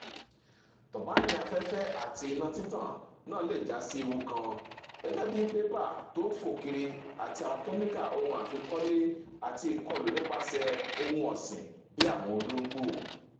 Tọ̀báìnì afẹ́fẹ́ àti iná títàn náà le jásí ewu kan, gẹ́gẹ́bí pépà tó ń fo kiri àti àwọn kẹ́míkà ohun àfikọ́lé, àti ìkọ̀lù nípaṣẹ́ ohun ọ̀sìn bíi àwọn olóńgbò.